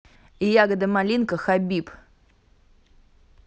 yagoda malinka хабиб